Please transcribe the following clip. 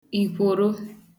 ìkwòro